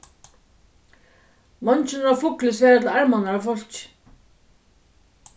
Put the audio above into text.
veingirnir á fugli svara til armarnar á fólki